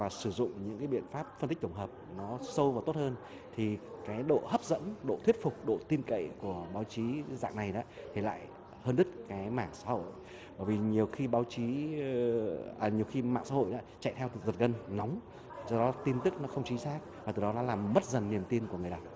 và sử dụng những biện pháp phân tích tổng hợp nó sâu và tốt hơn thì cái độ hấp dẫn độ thuyết phục độ tin cậy của báo chí dạng này thì lại hơn đứt cái mảng xã hội vì nhiều khi báo chí nhiều khi mạng xã hội chạy theo thực vật an nóng do tin tức là không chính xác và từ đó đã làm mất dần niềm tin của người đọc